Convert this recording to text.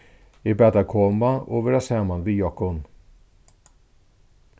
eg bað teir koma og vera saman við okkum